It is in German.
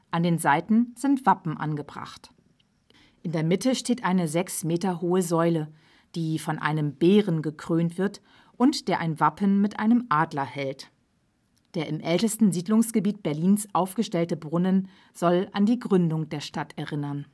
An den Seiten sind Wappen angebracht. In der Mitte steht eine sechs Meter hohe Säule, die von einem Bären bekrönt wird und der ein Wappen mit einem Adler hält. Der im ältesten Siedlungsgebiet Berlins aufgestellte Brunnen soll an die Gründung der Stadt erinnern